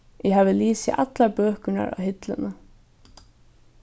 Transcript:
eg havi lisið allar bøkurnar á hillini